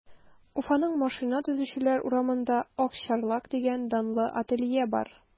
Уфаның Машина төзүчеләр урамында “Акчарлак” дигән данлы ателье бар.